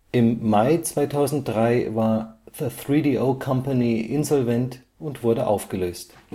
Im Mai 2003 war The 3DO Company insolvent und wurde aufgelöst